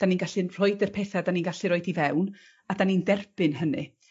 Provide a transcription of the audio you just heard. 'dan ni'n gallu'n rhoid yr petha 'dan ni'n gallu roid i fewn a 'dan ni'n derbyn hynny.